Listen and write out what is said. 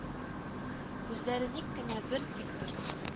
Күзләре ник кенә бер тик торсын